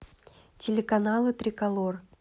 телеканалы триколор